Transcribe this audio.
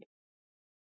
Են։ ֊